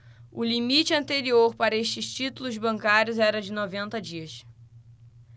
o limite anterior para estes títulos bancários era de noventa dias